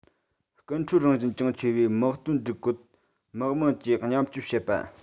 ཀུན འཕྲོད རང བཞིན ཅུང ཆེ བའི དམག དོན སྒྲིག བཀོད དམག དམངས ཀྱིས མཉམ སྤྱོད བྱེད པ